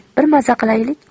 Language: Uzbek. bir maza qilaylik